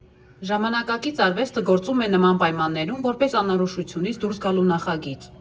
Ժամանակակից արվեստը գործում է նման պայմաններում՝ որպես անորոշությունից դուրս գալու նախագիծ։